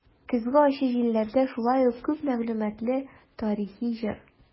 "көзге ачы җилләрдә" шулай ук күп мәгълүматлы тарихи җыр.